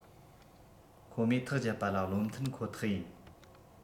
ཁོ མོས ཐག བཅད པ ལ བློ མཐུན ཁོ ཐག ཡིན